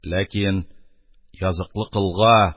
Ләкин языклы колга —